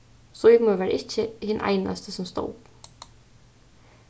símun var ikki hin einasti sum stóð